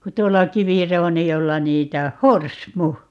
kun tuolla kivirouniolla niitä on horsmu